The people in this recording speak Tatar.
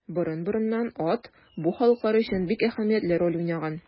Борын-борыннан ат бу халыклар өчен бик әһәмиятле роль уйнаган.